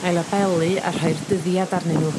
A'i labelu a rhoi'r dyddiad arnyn n'w